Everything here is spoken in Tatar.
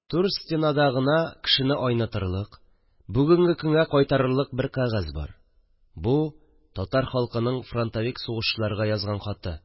Түр стенада гына кешене айнытырлык, бүгенге көнгә кайтарырлык бер кәгазь бар: бу – татар халкының фронтовик сугышчыларга язган хаты